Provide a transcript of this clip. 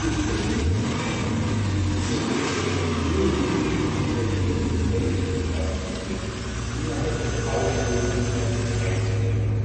Verliebens entwickle sich in der Regel nur hinsichtlich derjenigen „ menschlichen Artikel “, die innerhalb der Tauschmöglichkeiten des Einzelnen